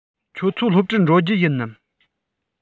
ཁྱོད ཚོ སློབ གྲྭར འགྲོ རྒྱུ ཡིན ནམ